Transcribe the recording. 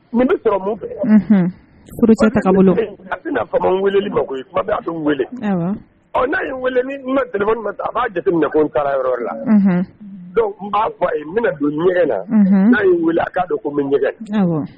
N sɔrɔ a fa wele fa wele ɔ' a b'a jatekɔ taara yɔrɔ laa fɔ bɛna don ɲɛgɛn na n'a weele a k'a ko bɛ ɲɛgɛn